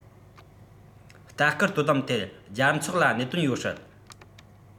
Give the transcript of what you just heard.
ལྟ སྐུལ དོ དམ ཐད རྒྱལ ཚོགས ལ གནད དོན ཡོད སྲིད